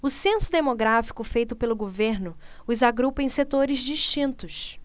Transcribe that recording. o censo demográfico feito pelo governo os agrupa em setores distintos